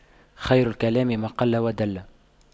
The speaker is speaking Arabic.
خير الكلام ما قل ودل